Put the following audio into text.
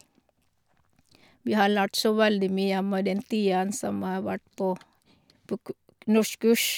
Vi har lært så veldig mye med den tiden som har vært på på ku k norskkurs.